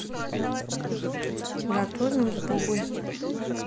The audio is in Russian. готовим с бубой